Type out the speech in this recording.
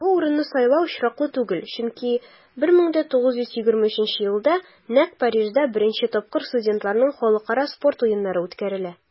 Бу урынны сайлау очраклы түгел, чөнки 1923 елда нәкъ Парижда беренче тапкыр студентларның Халыкара спорт уеннары үткәрелә.